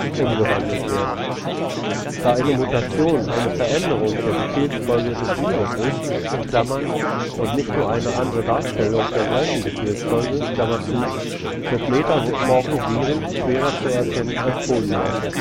umgewandelt werden. Da eine Mutation eine Veränderung der Befehlsfolge des Virus ist (und nicht nur eine andere Darstellung der gleichen Befehlsfolge), sind metamorphe Viren schwerer zu erkennen als polymorphe